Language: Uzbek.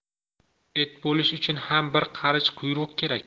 it bo'lish uchun ham bir qarich quyruq kerak